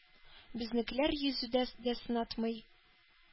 Безнекеләр йөзүдә дә сынатмый